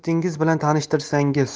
d'stingiz bilan tanishtirsangiz